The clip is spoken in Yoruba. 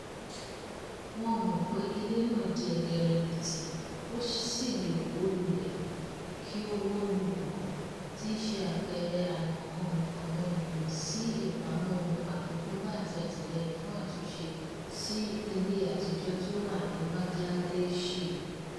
Wọ́n ò mọ̀ pé ilé náà ti di ẹgẹrẹmìtì, ó sì lè wò lulẹ̀ kí ó wó lù wọ́n—tí í ṣe àpẹẹrẹ àìmọ̀kanmọ̀kàn àwọn ènìyàn sí ìpamọ́ ohun àjogúnbá àti àtìlẹ́yìn fún àtúnṣe sí ilé àtijọ́ tí ó wà ní Bangladesh.